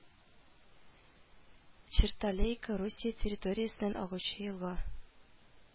Черталейка Русия территориясеннән агучы елга